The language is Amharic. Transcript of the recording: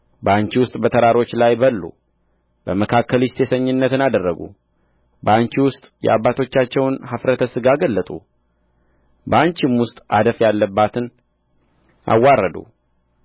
በአንቺ ውስጥ በተራሮች ላይ በሉ በመካከልሽ ሴሰኝነትን አደረጉ በአንቺ ውስጥ የአባቶቻቸውን ኀፍረተ ሥጋ ገለጡ በአንቺም ውስጥ አደፍ ያለባትን አዋረዱ